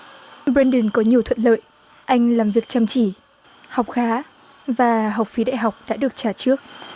bờ ren đừn có nhiều thuận lợi anh làm việc chăm chỉ học khá và học phí đại học đã được trả trước